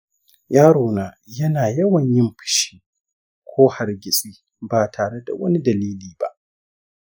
yarona yana yawan yin fushi ko hargitsi ba tare da wani dalili ba.